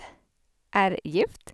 Er gift.